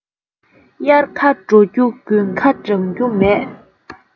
དབྱར ཁ དྲོ རྒྱུ དགུན ཁ གྲང རྒྱུ མེད